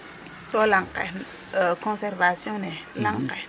Soo lang ke conservation ne lang ke .